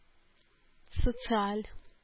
Социаль